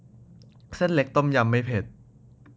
เส้นเล็กต้มยำไม่เผ็ด